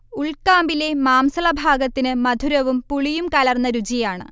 ഉൾക്കാമ്പിലെ മാംസളഭാഗത്തിന് മധുരവും പുളിയും കലർന്ന രുചിയാണ്